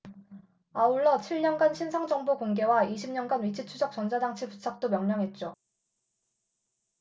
아울러 칠 년간 신상정보 공개와 이십 년간 위치추적 전자장치 부착도 명령했죠